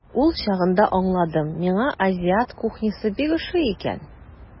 Ул чагында аңладым, миңа азиат кухнясы бик ошый икән.